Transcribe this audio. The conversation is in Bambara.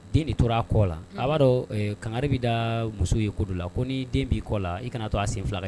Den de tora a kɔ la. Unhun ! A b'a dɔn, ee kangari bɛ da muso ye ko dɔ la, ko ni den b'i kɔ la, i ka na to a sen 2 ka